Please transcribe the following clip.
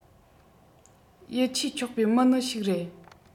ཡིད ཆེས ཆོག པའི མི ནི ཞིག རེད